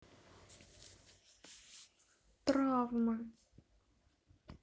травмы